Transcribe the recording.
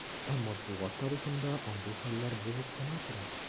Ә матбугат тарихында андый хәлләр булып кына тора.